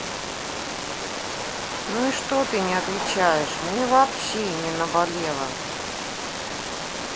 ну и что ты не отвечаешь мне вообще не наболело